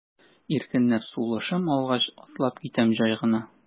Иркенләп сулышым алгач, атлап китәм җай гына.